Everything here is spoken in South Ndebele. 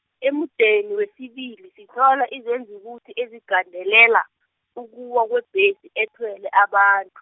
emudeni wesibili sithola izenzukuthi ezigandelela , ukuwa kwebhesi, ethwele abant- .